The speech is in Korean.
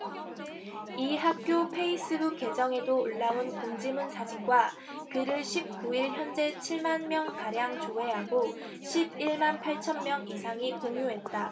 이 학교 페이스북 계정에도 올라온 공지문 사진과 글을 십 구 일 현재 칠 만 명가량 조회하고 십 일 만 팔 천 명 이상이 공유했다